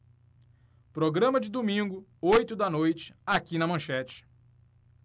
programa de domingo oito da noite aqui na manchete